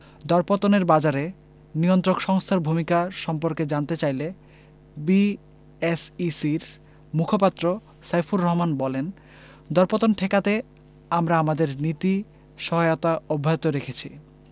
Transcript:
দরপতনের বাজারে নিয়ন্ত্রক সংস্থার ভূমিকা সম্পর্কে জানতে চাইলে বিএসইসির মুখপাত্র সাইফুর রহমান বলেন দরপতন ঠেকাতে আমরা আমাদের নীতি সহায়তা অব্যাহত রেখেছি